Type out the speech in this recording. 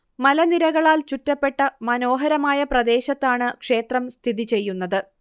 മലനിരകളാൽ ചുറ്റപ്പെട്ട മനോഹരമായ പ്രദേശത്താണ് ക്ഷേത്രം സ്ഥിതി ചെയ്യുന്നത്